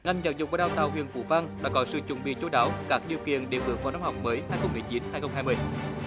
ngành giáo dục và đào tạo huyện phú vang đã có sự chuẩn bị chu đáo các điều kiện để bước vào năm học mới hai không mười chín hai không hai mươi